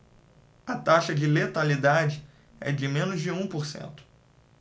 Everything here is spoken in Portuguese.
a taxa de letalidade é de menos de um por cento